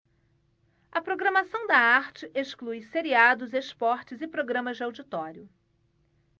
a programação da arte exclui seriados esportes e programas de auditório